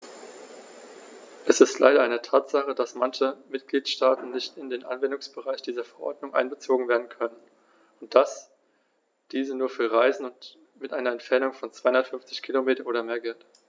Es ist leider eine Tatsache, dass manche Mitgliedstaaten nicht in den Anwendungsbereich dieser Verordnung einbezogen werden können und dass diese nur für Reisen mit einer Entfernung von 250 km oder mehr gilt.